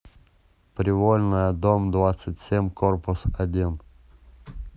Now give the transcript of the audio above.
привольная дом двадцать семь корпус один